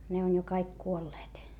ne on jo kaikki kuolleet